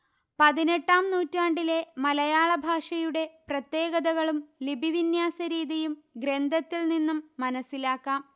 പതിനെട്ടാം നൂറ്റാണ്ടിലെ മലയാളഭാഷയുടെ പ്രത്യേകതകളും ലിപിവിന്യാസരീതിയും ഗ്രന്ഥത്തിൽനിന്നും മനസ്സിലാക്കാം